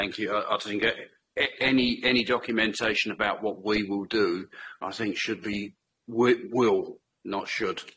Thank you o- o' ti'n ge- e- any any documentation about what we will do, I think should be wi- will not should.